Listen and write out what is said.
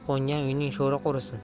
qo'ngan uyning sho'ri qurisin